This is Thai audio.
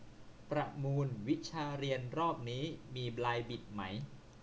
ประมูลวิชาเรียนรอบนี้มีบลายบิดไหม